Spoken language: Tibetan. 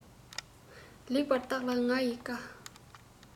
ལེགས པར བརྟག ལ ང ཡི བཀའ